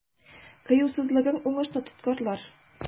Кыюсызлыгың уңышны тоткарлар.